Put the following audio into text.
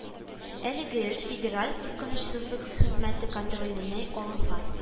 Әлеге эш Федераль куркынычсызлык хезмәте контроленә алынган